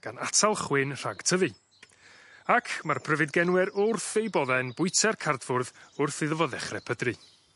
Gan atal chwyn rhag tyfu. Ac ma'r pryfedgenwyr wrth eu bodde'n bwyta'r cardfwrdd wrth iddo fo ddechre pydru.